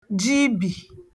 jibì